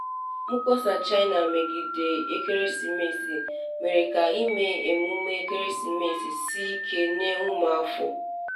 Mkpọsa China megide ekeresimesi mere ka ime emume ekeresimesi sie ike nye ụmụafọ.